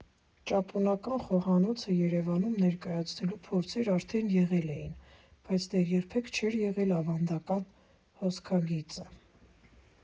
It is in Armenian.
Ճապոնական խոհանոցը Երևանում ներկայացվելու փորձեր արդեն եղել էին, բայց դեռ երբեք չէր եղել ավանդական հոսքագիծը։